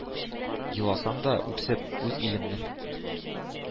Еласам да үксеп, үз илемнең